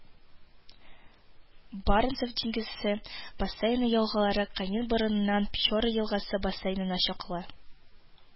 Баренцев диңгезе бассейны елгалары Канин борынынан Печора елгасы бассейнына чаклы